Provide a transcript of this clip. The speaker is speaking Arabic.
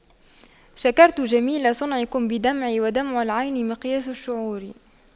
شكرت جميل صنعكم بدمعي ودمع العين مقياس الشعور